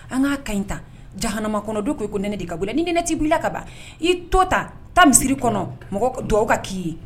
An k'a ka ɲi ta jamakɔnɔdo ko i ko n ne de ka bila ni n ne t tɛi ka ban i to ta ta misiri kɔnɔ mɔgɔ dɔw ka k'i ye